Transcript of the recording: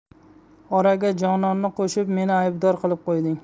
oraga jononni qo'shib meni aybdor qilib qo'yding